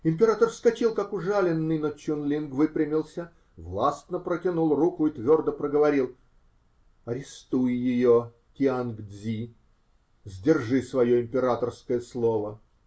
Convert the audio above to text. Император вскочил, как ужаленный, но Чун-Линг выпрямился, властно протянул руку и твердо проговорил: -- Арестуй ее, Тианг-Дзи, сдержи свое императорское слово.